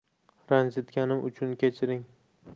ranjitganim uchun kechiring